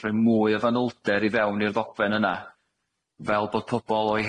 rhoi mwy o fanylder i fewn i'r ddogfen yna fel bod pobol o'u